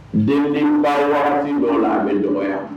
Denba dɔ la a bɛ nɔgɔya